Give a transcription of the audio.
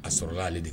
A sɔrɔ ale de